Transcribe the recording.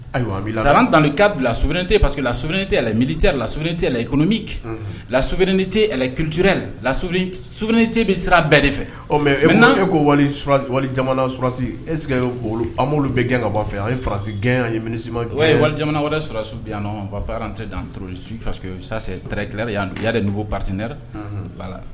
Ayiwa a tanli ka bila soini tɛ pa parceseke la sini tɛɛlɛn mili la sy tɛ la i kolonmi la sbiini tɛ kiiriti lain tɛ bɛ sira bɛɛ de fɛ mɛ n' ko wali sɔsi ese'olu bɛ gɛn ka bɔ fɛ o ye fasi gɛn an ye minisi maja wɛrɛ sɔrɔsiw biyan baarate dan y yan i' de nin fɔ pasiɛ'a la